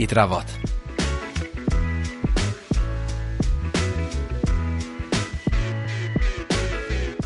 i drafod.